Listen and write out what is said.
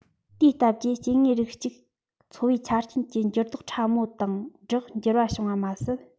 དེའི སྟབས ཀྱིས སྐྱེ དངོས རིགས གཅིག འཚོ བའི ཆ རྐྱེན གྱི འགྱུར ལྡོག ཕྲ མོ དང སྦྲགས འགྱུར བ བྱུང བ མ ཟད